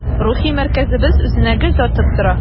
Рухи мәркәзебез үзенә гел тартып тора.